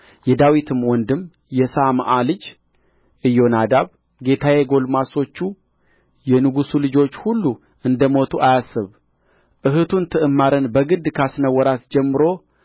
የዳዊትም ወንድም የሳምዓ ልጅ ኢዮናዳብ ጌታዬ ጕልማሶቹ የንጉሡ ልጆች ሁሉ እንደ ሞቱ አያስብ እኅቱን ትዕማርን በግድ ካስነወራት ጀምሮ